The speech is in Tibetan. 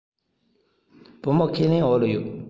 བུ མོ ཁས ལེན འོག ལ ཡོད